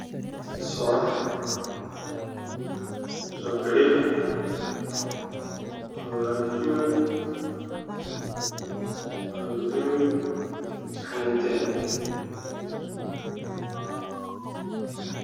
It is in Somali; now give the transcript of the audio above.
Waa digsi ku jirto soor midabkeedu yahay caddaan